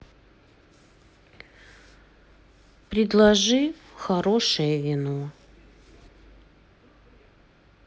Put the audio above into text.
предложи хорошее вино